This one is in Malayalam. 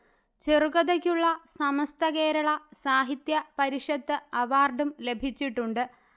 ചെറുകഥയ്ക്കുളള സമസ്ത കേരള സാഹിത്യ പരിഷത്ത് അവാർഡും ലഭിച്ചിട്ടുണ്ട്